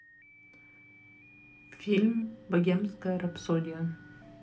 фильм богемская рапсодия